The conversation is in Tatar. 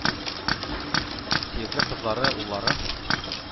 Сөекле кызлары, уллары.